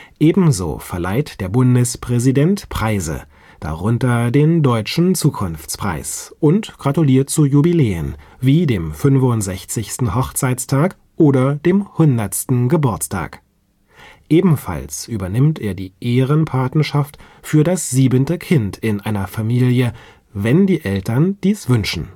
Ebenso verleiht der Bundespräsident Preise, darunter den Deutschen Zukunftspreis, und gratuliert zu Jubiläen wie dem 65. Hochzeitstag oder dem 100. Geburtstag. Ebenfalls übernimmt er die Ehrenpatenschaft für das siebte Kind in einer Familie, wenn die Eltern dies wünschen